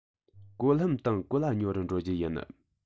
གོ ལྷམ དང གོ ལྭ ཉོ རུ འགྲོ རྒྱུ ཡིན